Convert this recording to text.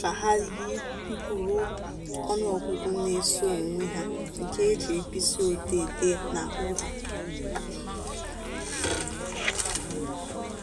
ka ha yi mkpụrụọnụọgụgụ na-eso onwe ha nke e ji mkpịsịodee dee n'ahụ ha.